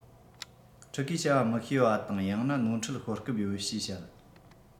ཕྲུ གུས བྱ བ མི ཤེས པ དང ཡང ན ནོར འཁྲུལ ཤོར སྐབས ཡོད ཞེས བཤད